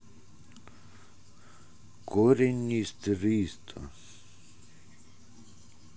корень из триста